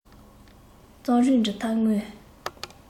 རྩོམ ཡིག འབྲི ཐབས དངོས